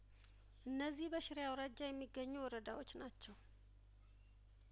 እነዚህ በሽሬ አውራጃ የሚገኙ ወረዳዎች ናቸው